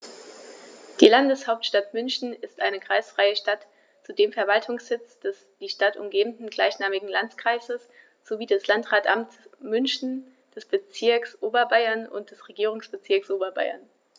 Die Landeshauptstadt München ist eine kreisfreie Stadt, zudem Verwaltungssitz des die Stadt umgebenden gleichnamigen Landkreises sowie des Landratsamtes München, des Bezirks Oberbayern und des Regierungsbezirks Oberbayern.